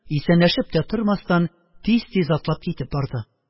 Исәнләшеп тә тормастан, тиз-тиз атлап китеп барды.